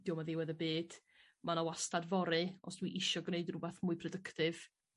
'di o'm yn ddiwedd y byd ma' 'na wastad fory os dwi isio gneud rwbath mwy prodyctif.